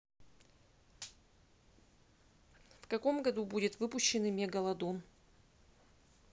в каком году будет выпущенный мегалодон